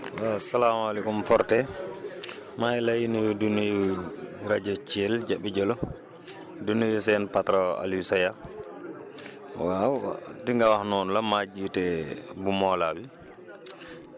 waaw salaamaleykum Forte maa ngi lay nuyu di nuyu rajo Thiel Jabi jula di nuyu seen patron Alioune * waaw li nga wax noonu la maa jiite bu Mawla bi